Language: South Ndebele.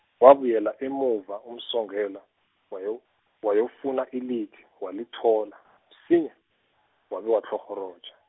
wabuyela emuva uMsongelwa, wayo- wayofuna ilithi, walithola msinya, wabe watlhorhoroja.